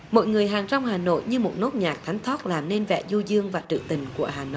mọi người hàng rong hà nội như một nốt nhạc thánh thót làm nên vẻ du dương và trữ tình của hà nội